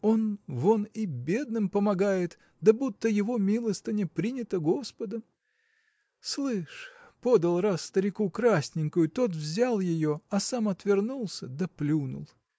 Он вон и бедным помогает, да будто его милостыня принята господом? Слышь подал раз старику красненькую тот взял ее а сам отвернулся да плюнул.